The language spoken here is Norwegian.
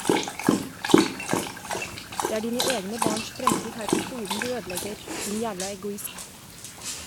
Det er dine egne barns fremtid her på kloden du ødelegger, din jævla egoist.